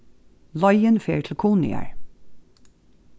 leiðin fer til kunoyar